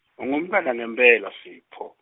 ungumntfwana ngempela Sipho.